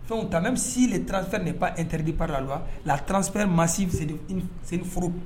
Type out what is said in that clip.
Fɛnw ta même si le transfert n'est pas interdit par la loi la transfère massive c'est de une c'est une fraude